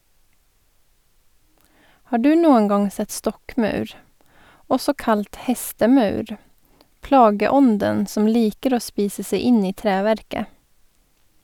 Har du noen gang sett stokkmaur, også kalt hestemaur, plageånden som liker å spise seg inn i treverket?